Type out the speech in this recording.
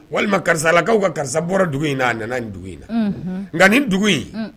Walima karisalakaw ka karisa bɔra dugu in a nana nin dugu in na nka nin dugu in